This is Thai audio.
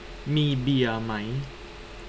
มีเบียร์ไหม